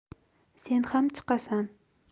sen ham chiqasan